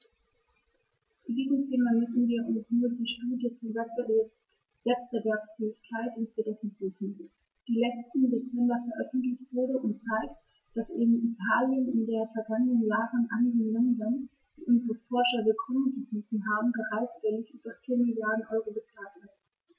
Zu diesem Thema müssen wir uns nur die Studie zur Wettbewerbsfähigkeit ins Gedächtnis rufen, die letzten Dezember veröffentlicht wurde und zeigt, dass Italien in den vergangenen Jahren anderen Ländern, die unsere Forscher willkommen geheißen haben, bereitwillig über 4 Mrd. EUR gezahlt hat.